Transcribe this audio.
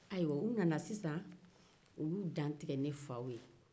ayiwa u nana sisan u y'u dantigɛ ne fa ye